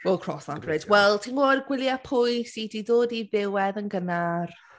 We’ll cross that bridge. Wel, timod, gwyliau pwy sy 'di dod i ddiwedd yn gynnar?